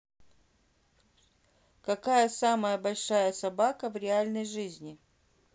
какая самая большая собака в реальной жизни